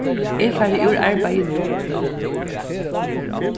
eg fari úr arbeiði nú